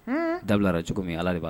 Dabilara cogo min ala